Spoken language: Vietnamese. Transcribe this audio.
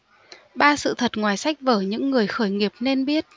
ba sự thật ngoài sách vở những người khởi nghiệp nên biết